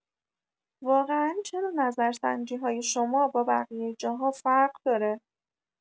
واقعا چرا نظرسنجی‌های شما با بقیه جاها فرق داره؟